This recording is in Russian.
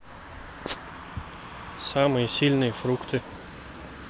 самые сильные фрукты